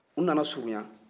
u nana surunya